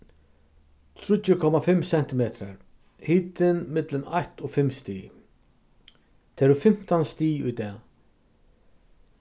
tríggir komma fimm sentimetrar hitin millum eitt og fimm stig tað eru fimtan stig í dag